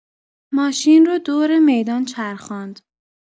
ماشین رو دور میدان چرخاند